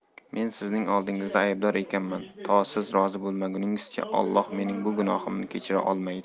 men sizning oldingizda aybdor ekanman to siz rozi bo'lmaguningizcha olloh mening bu gunohimni kechira olmaydi